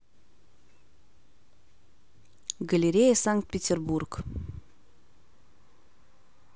галерея санкт петербург